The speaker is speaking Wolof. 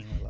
waaw